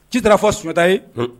Ci taara fɔ Sunjatata ye